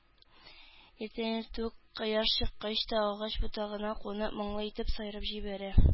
Иртән-иртүк, кояш чыккач та, агач ботагына кунып моңлы итеп сайрап җибәрә